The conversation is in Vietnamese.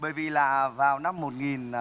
bởi vì là vào năm một nghìn